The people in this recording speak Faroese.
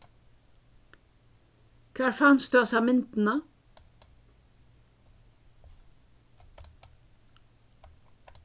hvar fanst tú hasa myndina